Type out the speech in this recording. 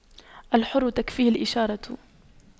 الحر تكفيه الإشارة